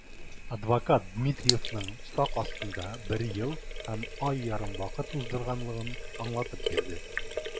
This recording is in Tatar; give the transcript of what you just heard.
Адвокат Дмитриевның сак астында бер ел һәм ай ярым вакыт уздырганлыгын аңлатып бирде.